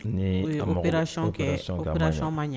Ni ye opperation opération man ɲɛ.